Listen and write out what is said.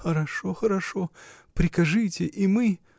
— Хорошо, хорошо, прикажите — и мы.